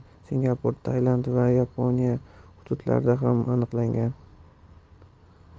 tailand va yaponiya hududlarida ham aniqlangan